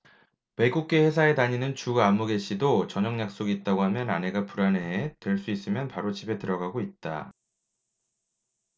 외국계 회사에 다니는 주아무개씨도 저녁 약속이 있다고 하면 아내가 불안해해 될 수 있으면 바로 집에 들어가고 있다